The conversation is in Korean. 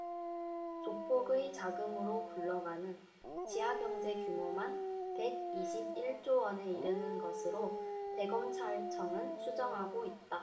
조폭의 자금으로 굴러가는 지하경제 규모만 백 이십 일 조원에 이르는 것으로 대검찰청은 추정하고 있다